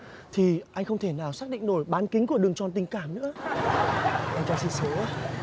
thì anh không thể nào xác định nổi bán kính của đường tròn tình cảm nữa em cho xin số